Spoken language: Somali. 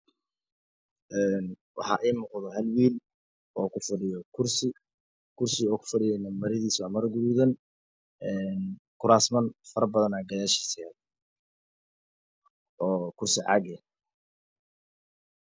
Waxa igu muuqdo Hal wiil oo ku fadhiyo kursi kursi ku fadhiyo maradiisa waa marro gaduudan ee ku raasman farabadan gadashiisa yaallo oo kursi caag eh